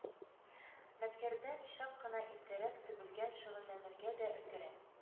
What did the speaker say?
Мәткәрдән чак кына иртәрәк тобелән шөгыльләнергә дә өлгерә